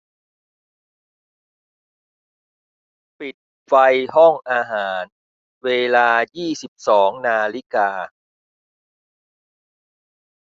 ปิดไฟห้องอาหารเวลายี่สิบสองนาฬิกา